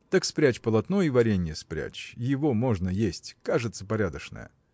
Так спрячь полотно и варенье спрячь – его можно есть кажется, порядочное.